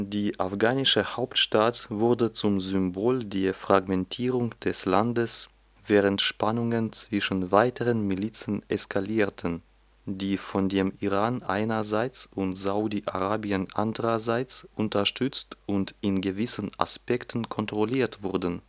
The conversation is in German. Die afghanische Hauptstadt wurde zum Symbol der Fragmentierung des Landes während Spannungen zwischen weiteren Milizen eskalierten, die von dem Iran einerseits und Saudi Arabien andererseits unterstützt und in gewissen Aspekten kontrolliert wurden